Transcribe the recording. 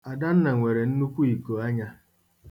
Adanna nwere nnukwu ikuanya.